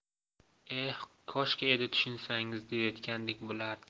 eh koshki edi tushunsangiz deyayotgandek bo'lardi